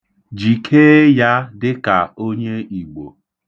Jikee ya dịka onye Igbo.